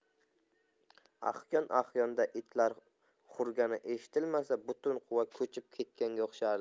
ahyon ahyonda itlar hurgani eshitilmasa butun quva ko'chib ketganga o'xshardi